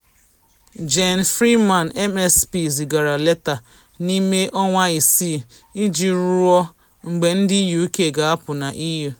Jeane Freeman MSP zigara leta n’ime ọnwa isiii iji ruo mgbe ndị UK ga-apụ na EU.